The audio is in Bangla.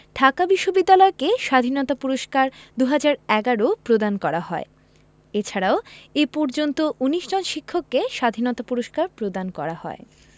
ঢাকা বিশ্ববিদ্যালয়কে স্বাধীনতা পুরস্কার ২০১১ প্রদান করা হয় এছাড়াও এ পর্যন্ত ১৯ জন শিক্ষককে স্বাধীনতা পুরস্কার প্রদান করা হয়